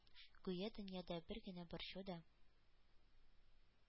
Гүя дөньяда бер генә борчу да,